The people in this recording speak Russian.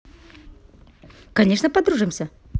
конечно подружимся